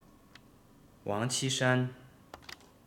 ཝང ཆི ཧྲན